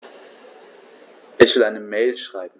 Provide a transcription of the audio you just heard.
Ich will eine Mail schreiben.